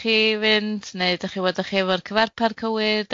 i chi fynd, neu dach chi'n gwbod dach chi efo'r cyfarpar cywir,